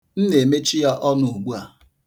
M na-emechi ya ọnụ ugbua.